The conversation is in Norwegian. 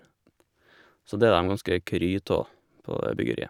Så det er dem ganske kry ta, på det byggeriet.